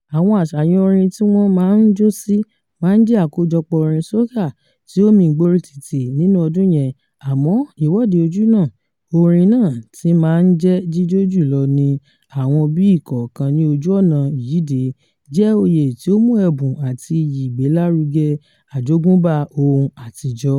Àwọn àṣàyàn orin tí wọ́n máa ń jó sí máa ń jẹ́ àkójọpọ̀ orin soca tí ó mi ìgboro títì nínú ọdún yẹn, àmọ́ Ìwọ́de Ojúnà — orin náà tí máa ń jẹ́ jíjó jù lọ ní àwọn ibi kọ̀ọ̀kan ní ojú ọ̀nà ìyíde — jẹ́ oyè tí ó mú ẹ̀bùn àti iyì ìgbélárugẹ àjogúnbá ohun àtijọ́.